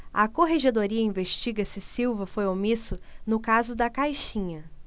a corregedoria investiga se silva foi omisso no caso da caixinha